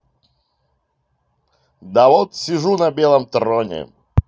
да вот сижу на белом троне